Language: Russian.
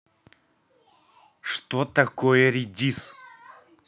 что такое редис